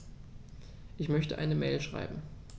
Ich möchte eine Mail schreiben.